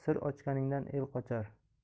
sir ochgandan el qochar